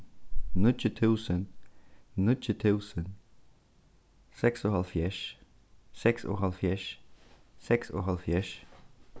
níggju túsund níggju túsund seksoghálvfjerðs seksoghálvfjerðs seksoghálvfjerðs